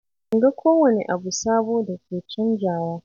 Ban ga kowane abu sabo da ke canjawa."